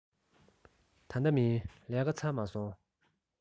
ད ལྟ མིན ལས ཀ ཚར མ སོང